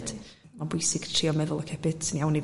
ma'n bwysig trio meddwl oce be sy'n iawn i fi